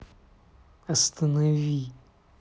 останови